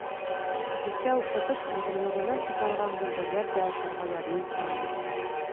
Чәчәккә охшатып, матурлыгына сокланган гөмбәләр дә ашарга ярый икән бит!